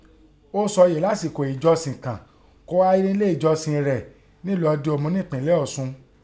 Ọ́ sọ yèé lásìkò ìjọsin kàn kọ́ háyé nẹ́ ilé ìjọsìn rẹ nẹ́ ìlú ọdẹ Òmu nẹ́ ìpínlẹ̀ Ọ̀ṣun.